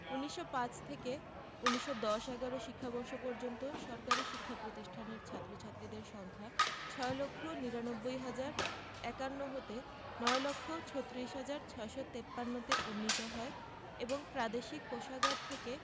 ১৯০৫ থেকে ১৯১০ ১১ শিক্ষাবর্ষ পর্যন্ত সরকারি শিক্ষা প্রতিষ্ঠানের ছাত্র ছাত্রীদের সংখ্যা ৬ লক্ষ ৯৯ হাজার ৫১ হতে ৯ লক্ষ ৩৬ হাজার ৬৫৩ তে উন্নীত হয় এবং প্রাদেশিক কোষাগার থেকে